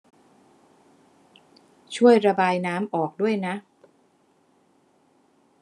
ช่วยระบายน้ำออกด้วยนะ